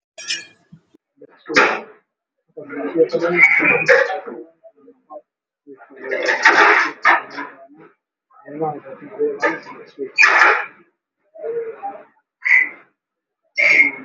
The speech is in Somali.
Waa qol waxaa yaalo armaajo midabkeedu yahay madow dhalo